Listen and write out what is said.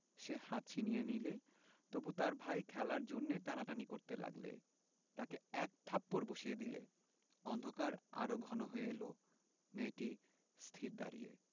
সে হাত ছিনিয়ে নিলে তবু তার ভাই খেলার জন্যে টানাটানি করতে লাগলে তাকে এক থাপ্পড় বসিয়ে দিলে অন্ধকার আরো ঘন হয়ে এল মেয়েটি স্থির দাঁড়িয়ে